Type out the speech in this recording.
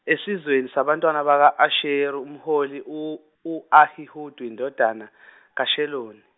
esizweni sabantwana bakwa Asheri umholi u u Ahihudi indodana kaShelomi.